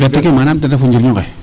manaam ten ref o njirño nge